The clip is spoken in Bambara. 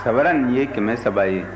sabara nin ye kɛmɛ saba ye